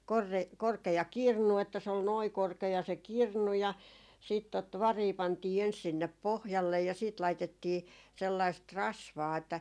sellainen korkea - korkea kirnu että se oli noin korkea se kirnu ja sitten tuota varia pantiin ensi sinne pohjalle ja sitten laitettiin sellaista rasvaa että